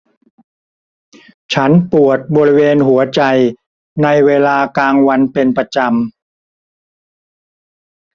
ฉันปวดบริเวณหัวใจในเวลากลางวันเป็นประจำ